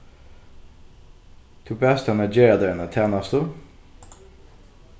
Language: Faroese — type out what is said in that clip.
tú baðst hana gera tær eina tænastu